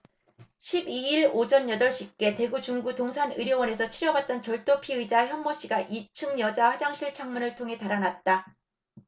십 이 일 오전 여덟 시께 대구 중구 동산의료원에서 치료받던 절도 피의자 현모씨가 이 층 여자 화장실 창문을 통해 달아났다